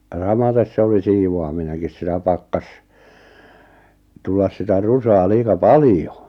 ja samaten se oli siivoaminenkin sitä pakkasi tulla sitä rusaa liian paljon